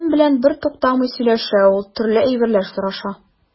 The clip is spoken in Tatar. Минем белән бертуктамый сөйләшә ул, төрле әйберләр сораша.